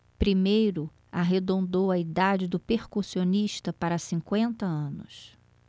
primeiro arredondou a idade do percussionista para cinquenta anos